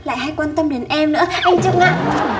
lại hay quan tâm đến em nữa anh trung ạ